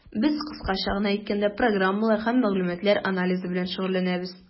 Без, кыскача гына әйткәндә, программалар һәм мәгълүматлар анализы белән шөгыльләнәбез.